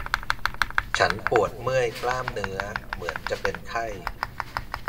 ฉันปวดเมื่อยกล้ามเนื้อเหมือนจะเป็นไข้